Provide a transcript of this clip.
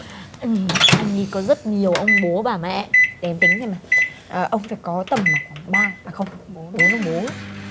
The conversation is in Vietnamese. anh ý có rất nhiều ông bố bà mẹ để em tính xem nào ờ ông ý phải có ba à không bốn ông bố